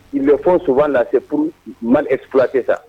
Lɛfɛnso lase se p mauran sa